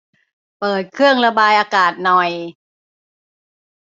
เปิดเครื่องระบายอากาศหน่อย